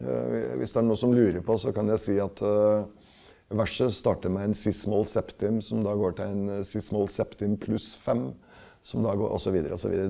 hvis det er noen som lurer på så kan jeg si at verset starter med en ciss-moll septim som da går til en ciss-moll septim pluss fem, som da går og så videre, og så videre.